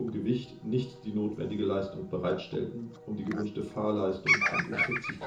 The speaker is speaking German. Gewicht nicht die notwendige Leistung bereitstellten, um die gewünschten Fahrleistungen von um 40